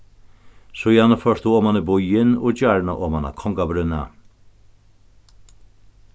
síðani fórt tú oman í býin og gjarna oman á kongabrúnna